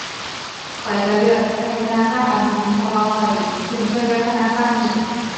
ข้อยก็เลือกก็ธนาคารออมสิน เพราะว่าข้อยคุ้นเคยกับธนาคารนี้